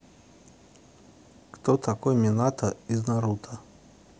кто такой минато из наруто